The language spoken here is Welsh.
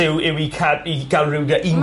...yw yw i ca- i ga'l ryw 'da un ...